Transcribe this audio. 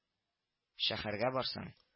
Шәһәргә барсаң